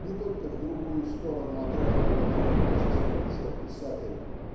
Не только в другую сторону от раннего народничества ушел писатель